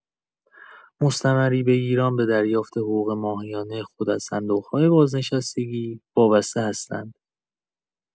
مستمری‌بگیران به دریافت حقوق ماهیانه خود از صندوق‌های بازنشستگی وابسته هستند.